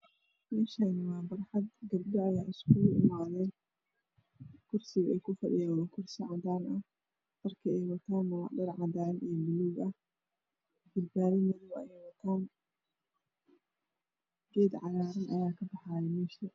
Meshan waa barxad gabdho ayaa isgu imaden kusiga aykufadhiyan wakursicadan ah dharka aywatan waa dhar cadan iyo balug ah jalbabo madow ayeywatan gedcagaran ayaakabaxayamesha